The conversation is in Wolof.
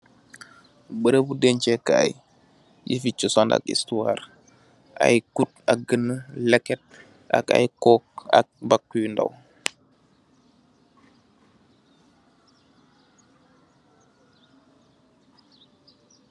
Beureubu dencheh kaii yeufi chosan ak histoire, aiiy kud ak guenue, lehket ak aiiy cork ak bahku yu ndaw.